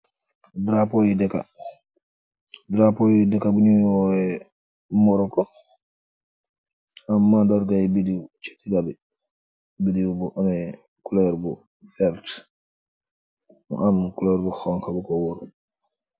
Drapo yi dekka drapo yi deka bonu woowe Morocco ma mandarga bidiw ci tigabe bidiw bu ameh culur bu vert mu am culer bu xonk bu ko woor.